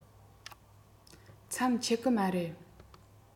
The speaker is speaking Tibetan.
མཚམས ཆད གི མ རེད